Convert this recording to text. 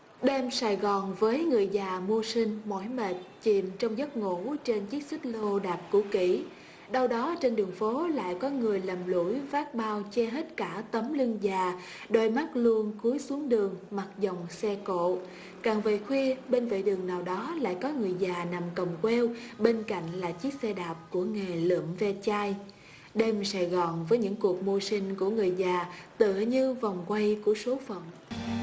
đêm sài gòn với người già mưu sinh mỏi mệt chìm trong giấc ngủ trên chiếc xích lô đạp cũ kỹ đâu đó trên đường phố lại có người lầm lũi vác bao che hết cả tấm lưng già đôi mắt luôn cúi xuống đường mặc dòng xe cộ càng về khuya bên vệ đường nào đó lại có người già nằm còng queo bên cạnh là chiếc xe đạp của nghề lượm ve chai đêm sài gòn với những cuộc mưu sinh của người già tựa như vòng quay của số phận